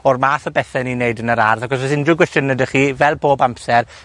o'r math o bethe ni'n neud yn yr ardd ac os o's unryw gwestiyne 'dach chi, fel bob amser